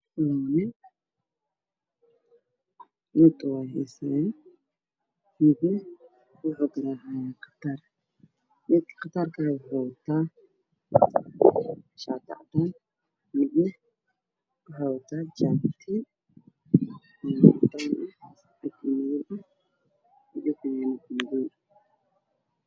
Waxaa ii muuqdaan nin wato shaar cad oo music karaacaya iyo nin kale oo wato jaakad iyo fanaanad madow